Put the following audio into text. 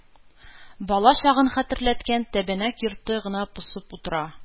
Алачыкны хәтерләткән тәбәнәк йорты гына посып утыра.